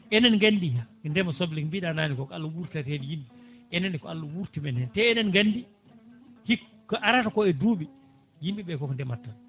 enen gandi ndeema soble ko mbiɗa nane ko ko Allah wurtata hen yimɓe enenne ko Allah wurtimen hen te eɗen gandi hikka ko arata ko e duuɓi yimɓeɓe koko ndeemata tan